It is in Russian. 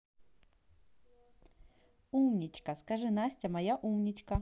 умничка скажи настя моя умничка